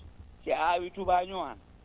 si a aawii tubaañoo han